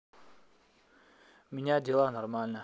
меня дела нормально